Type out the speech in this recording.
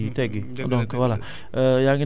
te li nga wax ba léegi nii amul dara lum ciy teggi